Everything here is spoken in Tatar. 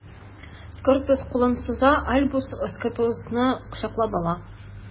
Скорпиус кулын суза, Альбус Скорпиусны кочаклап ала.